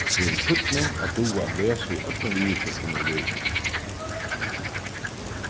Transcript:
tað hevur týdning at duga at lesa í øllum viðurskiftum í lívinum